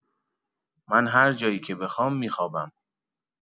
و من هرجایی که بخوام می‌خوابم.